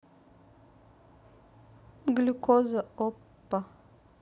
глюкоза оппа